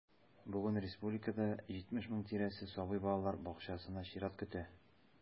Бүген республикада 70 мең тирәсе сабый балалар бакчасына чират көтә.